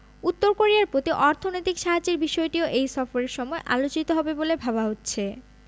উত্তর কোরিয়ার প্রতি অর্থনৈতিক সাহায্যের বিষয়টিও এই সফরের সময় আলোচিত হবে বলে ভাবা হচ্ছে